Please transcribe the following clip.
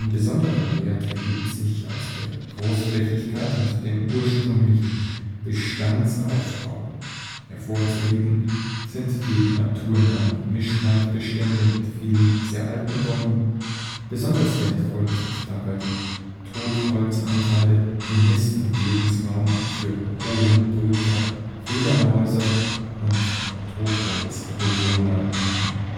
besonderer Wert ergibt sich aus der Großflächigkeit und dem ursprünglichen Bestandsaufbau. Hervorzuheben sind die naturnahen Mischwaldbestände mit vielen sehr alten Bäumen. Besonders wertvoll sind dabei die Totholzanteile, die Nist - und Lebensraum für Höhlenbrüter, Fledermäuse und Totholzbewohner bieten